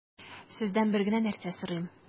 Сездән бер генә нәрсә сорыйм: